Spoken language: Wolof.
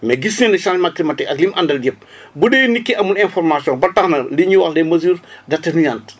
mais gis na ne changement climatique ak li mu àndal yëpp bu dee nit ki amul information ba tax na li ñuy wax les mesures d' aténuantes